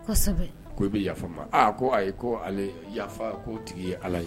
Kosɛbɛ, ko i bɛ yafa n ma aa ko ayi ko ale yafa k'o tigi ye Ala ye